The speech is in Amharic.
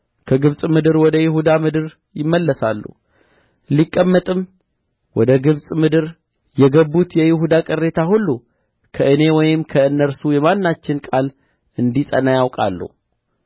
ከግብጽ ምድር ወደ ይሁዳ ምድር ይመለሳሉ ሊቀመጡም ወደ ግብጽ ምድር የገቡት የይሁዳ ቅሬታ ሁሉ ከእኔ ወይም ከእነርሱ የማናችን ቃል እንዲጸና ያውቃሉ